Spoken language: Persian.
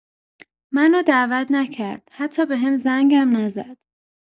منو دعوت نکرد حتی بهم زنگ هم نزد